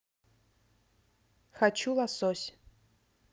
хочу лосось